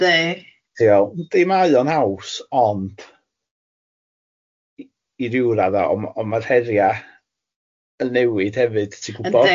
...ti'n meddwl yndi mae o'n haws ond, i i ryw radd o ond ma'r heriau yn newid hefyd ti'n gwybod... Yndi.